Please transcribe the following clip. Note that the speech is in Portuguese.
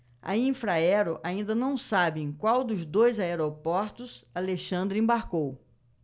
a infraero ainda não sabe em qual dos dois aeroportos alexandre embarcou